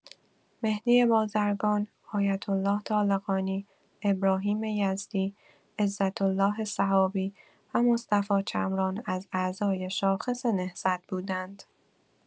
مهدی بازرگان، آیت‌الله طالقانی، ابراهیم یزدی، عزت‌الله سحابی و مصطفی چمران از اعضای شاخص نهضت بودند.